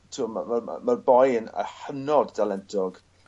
t'mo' ma' ma' ma' ma'r boi 'yn y' hynod dalentog